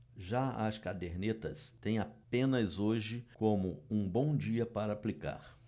já as cadernetas têm apenas hoje como um bom dia para aplicar